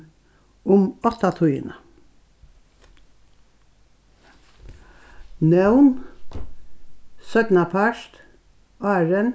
um áttatíðina nón seinnapart áðrenn